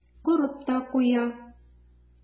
Корып та куя.